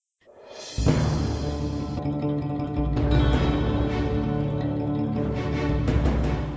music